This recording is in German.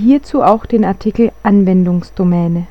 dort bearbeitet. Siehe auch: Anwendungsdomäne